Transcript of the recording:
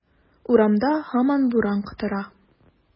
Урамда һаман буран котыра.